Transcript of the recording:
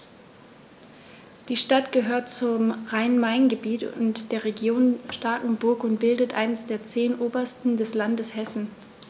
Die Stadt gehört zum Rhein-Main-Gebiet und der Region Starkenburg und bildet eines der zehn Oberzentren des Landes Hessen.